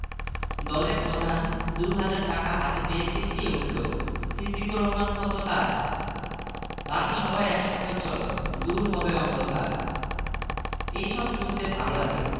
দলের প্রধান দু'হাজার টাকা হাতে পেয়ে চেঁচিয়ে ওঠল সিদ্দিকুর রহমান খোন্দকার বাকি সবাই এক সঙ্গে চল দূর হবে অন্ধকার এইসব শুনতে ভাল লাগে